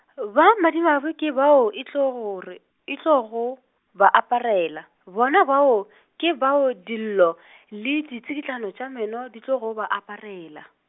ba madimabe ke bao e tlo gore, e tlogo, ba aparela, bona bao , ke bao dillo le ditsikitlano tša meno di tlogo ba aparela.